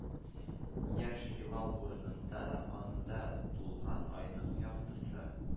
Яшь һилал урынында анда тулган айның яктысы